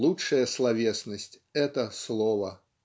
Лучшая словесность - это слово.